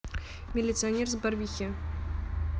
милиционер с барвихи